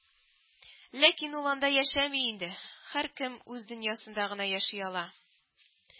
Ләкин ул анда яшәми инде. Һәркем үз дөньясында гына яши ала